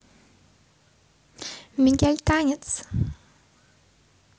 мигель танец